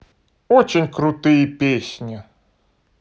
очень крутые песни